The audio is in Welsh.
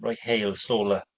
Rhai heil, solar.